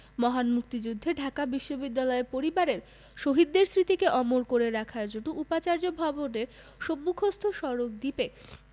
মহান মুক্তিযুদ্ধে ঢাকা বিশ্ববিদ্যালয় পরিবারের শহীদদের স্মৃতিকে অমর করে রাখার জন্য উপাচার্য ভবনের সম্মুখস্থ সড়ক দ্বীপে